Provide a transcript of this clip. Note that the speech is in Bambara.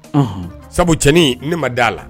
Un sabucin ne ma d a la